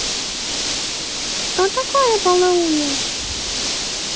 что такое полнолуние